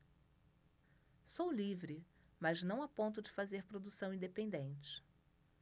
sou livre mas não a ponto de fazer produção independente